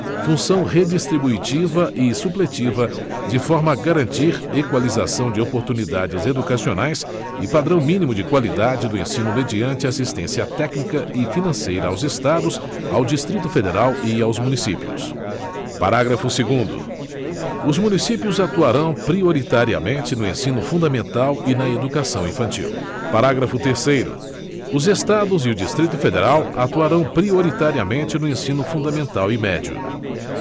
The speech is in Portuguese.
função redistribuitiva e supletiva de forma a garantir equalização de oportunidades educacionais e padrão mínimo de qualidade do ensino mediante assistência técnica e financeira aos estados ao distrito federal e aos municípios parágrafo segundo os municípios atuarão prioritariamente no ensino fundamental e na educação infantil parágrafo terceiro os estados e o distrito federal atuarão prioritariamente no ensino fundamental e médio